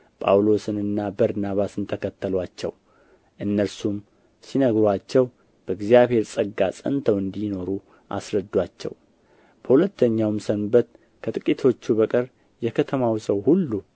ጳውሎስንና በርናባስን ተከተሉአቸው እነርሱም ሲነግሩአቸው በእግዚአብሔር ጸጋ ጸንተው እንዲኖሩ አስረዱአቸው በሁለተኛውም ሰንበት ከጥቂቶቹ በቀር የከተማው ሰው ሁሉ